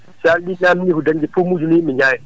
calliɗi calliɗi ko dañde pont ko yimɓeɓe jaari